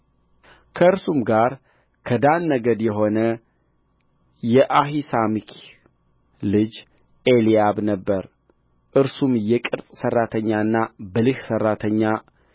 ከእርሱም ጋር ከዳን ነገድ የሆነ የአሂሳሚክ ልጅ ኤልያብ ነበረ እርሱም የቅርጽ ሠራተኛና ብልህ ሠራተኛ